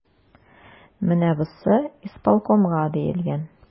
Менә бусы исполкомга диелгән.